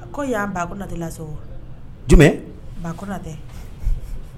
A ko' batɛ laseso jumɛn ba kotɛ